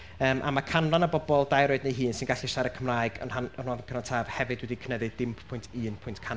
yym a ma' canran y bobl dair oed neu hun sy'n gallu siarad Cymraeg yn rhan- yn Rhondda Cynon Taf hefyd wedi cynyddu dim pwynt un pwynt canan.